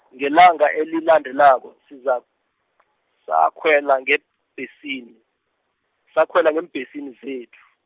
ngelanga elilandelako, siza- , sakhwela ngebhesini, sakhwela ngeembhesini zethu.